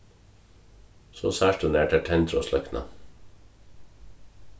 so sært tú nær tær tendra og sløkna